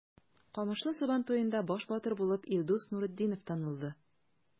Камышлы Сабан туенда баш батыр булып Илдус Нуретдинов танылды.